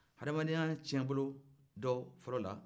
adamadenya tiɲɛ bolo dɔ fɔlɔ la